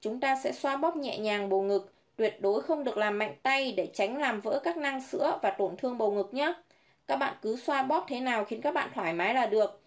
chúng ta sẽ xoa bóp nhẹ nhàng bầu ngực tuyệt đối không được làm mạnh tay để tránh bị vỡ các nang sữa và tổn thương bầu ngực nhé các bạn cứ xoa bóp thế nào khiến các bạn thoải mái là được